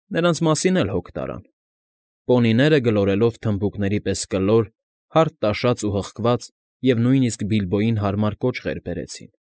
Նրանց մասին էլ հոգ տարան։ Պոնիները գլորելով թմբուկների պես կլոր, հարթ տաշած ու հղկած և նույնիսկ Բիլբոյին համար կոճղեր բերեցին։